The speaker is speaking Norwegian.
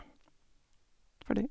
Ferdig.